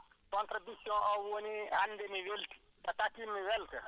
contribution